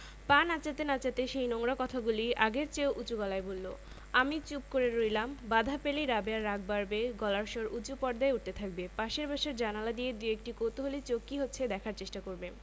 রাবেয়ার অশ্লীল কদৰ্য কথা তার না বুঝার কিছুই নেই লজ্জায় সে লাল হয়ে উঠেছিলো হয়তো সে কেঁদেই ফেলতো রুনু অল্পতেই কাঁদে আমি রাবেয়াকে বললাম ছিঃ রাবেয়া এসব বলতে আছে ছি